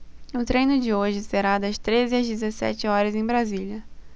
o treino de hoje será das treze às dezessete horas em brasília